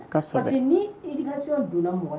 Ka ni